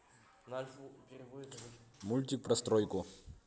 мультик про стройку